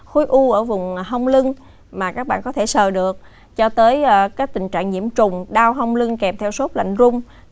khối u ở vùng hông lưng mà các bạn có thể sờ được cho tới ở các tình trạng nhiễm trùng đau hông lưng kèm theo sốt lạnh run